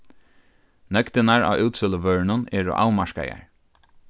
nøgdirnar á útsøluvørunum eru avmarkaðar